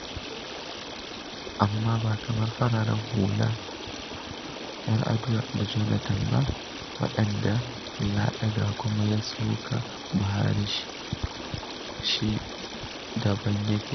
Amma ba kamar fararen hula - 'Yar'aduwa da Jonathan - ba, waɗanda ya ɗaga kuma ya soka, Buhari shi daban yake.